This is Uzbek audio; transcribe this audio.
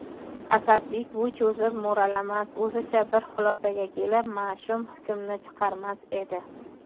asadbek bo'y cho'zib mo'ralamas o'zicha bir xulosaga kelib mash'um hukmni chiqarmas edi